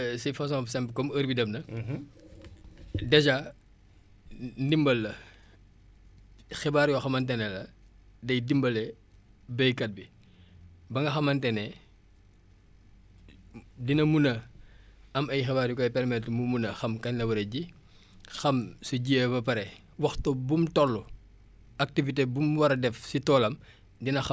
dèjà ndimbal la xibaar yoo xamante ne la day dimbale béykat bi ba nga xamante ne dina mun a am ay xabaar yu koy permettre mu mun a xam kañ la war a ji xam su jiyee ba pare waxtu bum toll activité bum war a def si toolam dina xam ban waxtu moo baax pour mu def ko